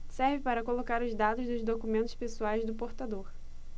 serve para colocar os dados dos documentos pessoais do portador